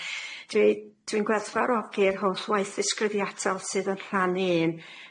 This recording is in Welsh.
Dwi dwi'n gwerthfawrogi'r holl waith ddisgrifiatol sydd yn rhan un a